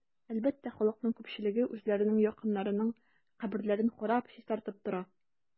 Әлбәттә, халыкның күпчелеге үзләренең якыннарының каберлекләрен карап, чистартып тора.